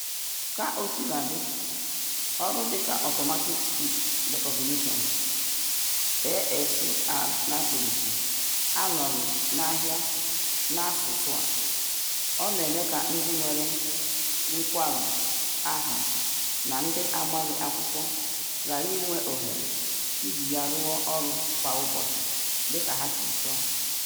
Kaosiladị, ọrụ dịka Automatic Speech Recognition (ASR) anọghị n'ahịa n'asụsụ a. Ọ na-eme ka ndị nwere nkwarụ ahụ na ndị amaghị akwụkwọ ghara inwe ohere iji ya rụọ ọrụ kwa ụbọchị dịka ha si chọọ.